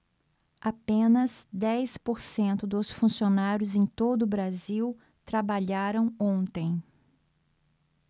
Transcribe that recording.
apenas dez por cento dos funcionários em todo brasil trabalharam ontem